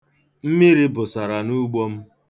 Mmiri bụsara n'ugbo m.